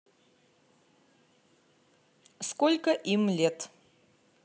сколько им лет